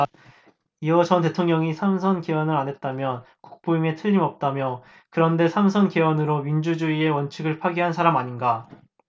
이어 이 전 대통령이 삼 선 개헌을 안했다면 국부임에 틀림없다며 그런데 삼 선 개헌으로 민주주의 원칙을 파괴한 사람 아닌가